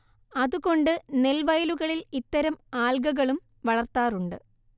അതുകൊണ്ട് നെൽവയലുകളിൽ ഇത്തരം ആൽഗകളും വളർത്താറുണ്ട്